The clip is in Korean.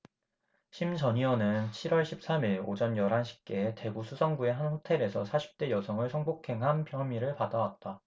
심 전 의원은 칠 월 십 삼 일 오전 열 한 시께 대구 수성구의 한 호텔에서 사십 대 여성을 성폭행한 혐의를 받아 왔다